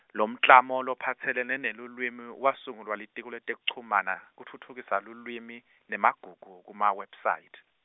Lomklamo lophatselene nelulwimi, wasungulwa Litiko letekuchumana, kutfutfukisa lulwimi nemagugu, kuma-website.